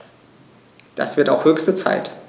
Das wird auch höchste Zeit!